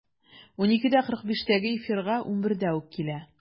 12.45-тәге эфирга 11-дә үк килә.